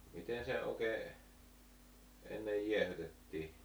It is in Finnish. miten se oikein ennen jäähdytettiin